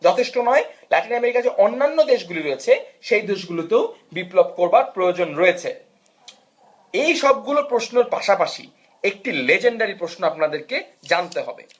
যথেষ্ট নয় ল্যাটিন আমেরিকায় যে অন্যান্য দেশগুলো রয়েছে সেই দেশগুলো তো বিপ্লব করবার প্রয়োজন রয়েছে এই সবগুলো প্রশ্নের পাশাপাশি একটি লেজেন্ডারি প্রশ্ন আপনাদের কে জানতে হবে